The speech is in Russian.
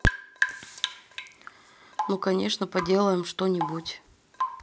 ну конечно поделаем что нибудь